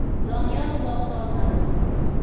doniyor quloq solmadi